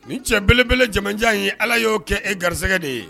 Nin cɛ belebele jamanjan in ye allah y'o kɛ e garisɛgɛ de ye